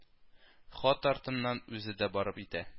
Хат артыннан үзе дә барып итә